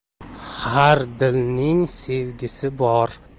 har dilning sevgisi bor